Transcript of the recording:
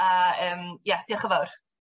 ...a yym ia, dioch yn fawr.